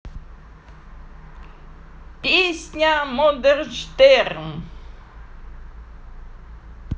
песня morgenshtern